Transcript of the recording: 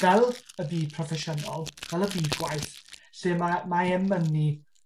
fel y byd proffesiynol, fel y byd gwaith, lle ma' mae e'n mynnu